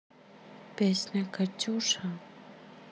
песня катюша